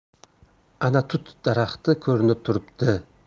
ana tut daraxti ko'rinib turibdi